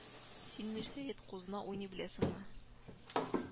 Син, Мирсәет, кузна уйный беләсеңме